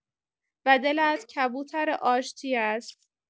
و دلت کبوتر آشتی است.